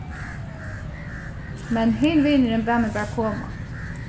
men hin vinurin bað meg bara koma